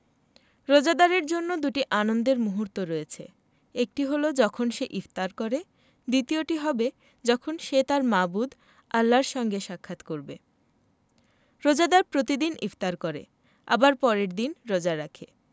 রোজাদারের জন্য দুটি আনন্দের মুহূর্ত রয়েছে একটি হলো যখন সে ইফতার করে দ্বিতীয়টি হবে যখন সে তাঁর মাবুদ আল্লাহর সঙ্গে সাক্ষাৎ করবে রোজাদার প্রতিদিন ইফতার করে আবার পরের দিন রোজা রাখে